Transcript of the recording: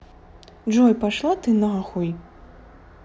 джой пошла ты нахуй